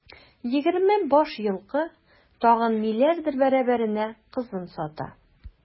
Егерме баш елкы, тагын ниләрдер бәрабәренә кызын сата.